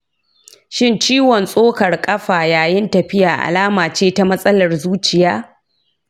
shin ciwon tsokar ƙafa yayin tafiya alama ce ta matsalar zuciya?